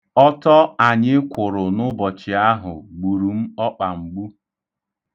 Ọtọ anyị kwụrụ n'ụbọchị ahụ gburu m ọkpa mgbu.